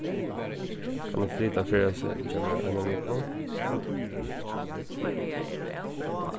kann eg flyta ferðaseðilin hjá mær eina viku